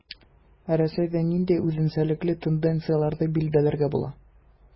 Ә Россиядә нинди үзенчәлекле тенденцияләрне билгеләргә була?